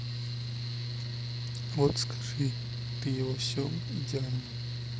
вот скажи ты во всем идеальна